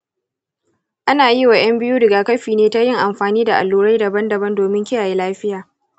ana yi wa ’yan biyu rigakafi ne ta yin amfani da allurai daban-daban domin kiyaye lafiya.